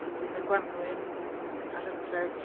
Wedyn y gwanwyn a- a'r hydref.